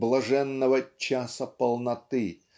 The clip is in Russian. блаженного "часа полноты"